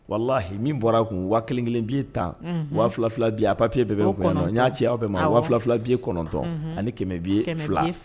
Walahi min bɔra kun waa kelen kelen b'i tan waa fila fila bi a papiye bɛn bɛ n y'a cɛ aw bɛ ma waa fila fila bi'ye kɔnɔntɔn ani kɛmɛ bii fila